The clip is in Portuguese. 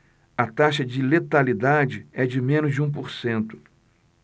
a taxa de letalidade é de menos de um por cento